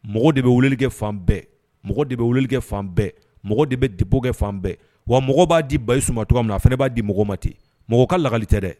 Mɔgɔw de bɛ weeleli kɛ fan bɛɛ, mɔgɔw de bɛ weeleli kɛ fan bɛɛ, mɔgɔw de bɛ dépôt kɛ fan bɛɛ, wa mɔgɔw b'a di Bayisu ma cogoya min na a fana b'a di mɔgɔw ma ten.